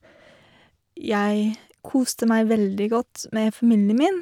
Jeg koste meg veldig godt med familien min.